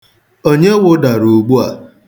Onye wụdara ugbu a?